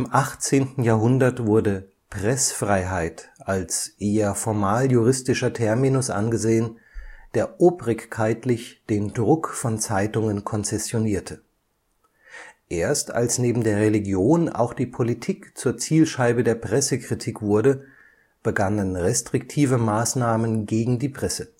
18. Jahrhundert wurde Preßfreiheit als eher formaljuristischer Terminus angesehen, der obrigkeitlich den Druck von Zeitungen konzessionierte. Erst als neben der Religion auch die Politik zur Zielscheibe der Pressekritik wurde, begannen restriktive Maßnahmen gegen die Presse